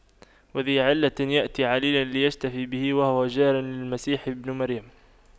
وذى علة يأتي عليلا ليشتفي به وهو جار للمسيح بن مريم